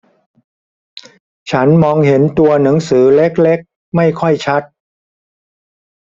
ฉันมองเห็นตัวหนังสือเล็กเล็กไม่ค่อยชัด